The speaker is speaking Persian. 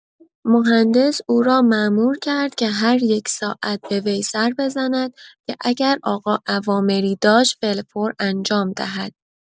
مهندس او را مامور کرد که هر یک ساعت به وی سر بزند که اگر آقا اوامری داشت فی‌الفور انجام دهد.